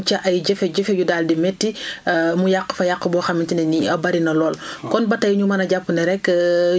ba dëkk bu ñuy wax Ndrame Ndimbu am ca ay jafe-jafe yu daal di méti mu yàq fa yàq boo xamante ne nii bari na lool